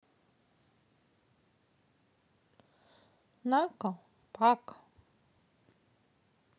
накл пак